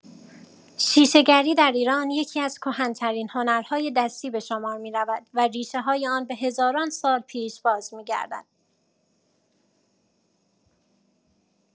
شیشه‌گری در ایران یکی‌از کهن‌ترین هنرهای دستی به شمار می‌رود و ریشه‌های آن به هزاران سال پیش بازمی‌گردد.